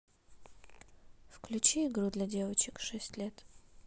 включи игру для девочек шесть лет